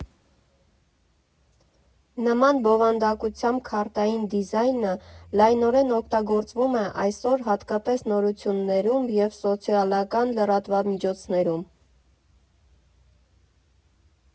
Նման բովանդակությամբ քարտային դիզայնը լայնորեն օգտագործվում է այսօր, հատկապես նորություններում և սոցիալական լրատվամիջոցներում։